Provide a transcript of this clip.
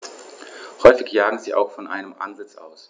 Häufig jagen sie auch von einem Ansitz aus.